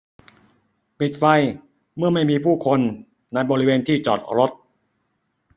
ปิดไฟเมื่อไม่มีผู้คนในบริเวณที่จอดรถ